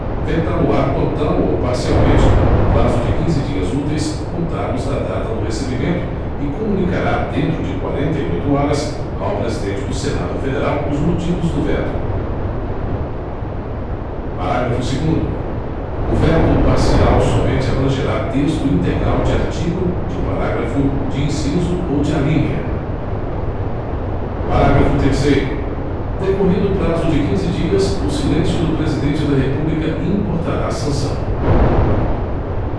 vetá lo á total ou parcialmente no prazo de quinze dias úteis contados da data do recebimento e comunicará dentro de quarenta e oito horas ao presidente do senado federal os motivos do veto parágrafo segundo o veto parcial somente abrangerá texto integral de artigo de parágrafo de inciso ou de alínea parágrafo terceiro decorrido o prazo de quinze dias o silêncio do presidente da república importará sanção